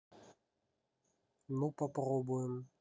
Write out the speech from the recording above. ну попробуем